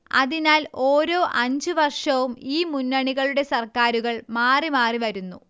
അതിനാൽ ഓരോ അഞ്ച് വർഷവും ഈ മുന്നണികളുടെ സർക്കാരുകൾ മാറി മാറി വരുന്നു